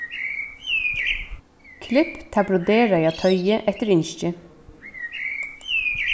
klipp tað broderaða toyið eftir ynski